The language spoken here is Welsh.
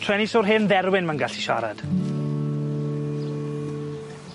Treni so'r hen dderwyn ma'n gallu siarad.